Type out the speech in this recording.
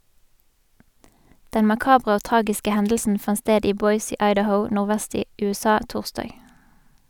Den makabre og tragiske hendelsen fant sted i Boise i Idaho, nordvest i USA, torsdag.